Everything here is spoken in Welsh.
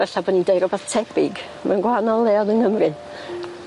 Falla bo' ni'n deu' rwbath tebyg mae'n gwahanol leodd yng Nghymru.